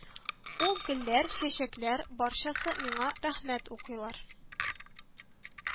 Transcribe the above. Ул гөлләр, чәчәкләр барчасы миңа рәхмәт укыйлар